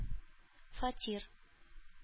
Фатир